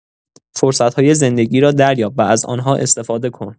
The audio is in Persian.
فرصت‌های زندگی را دریاب و از آن‌ها استفاده کن.